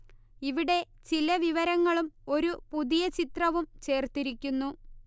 ഇവിടെ ചില വിവരങ്ങളും ഒരു പുതിയ ചിത്രവും ചേർത്തിരിക്കുന്നു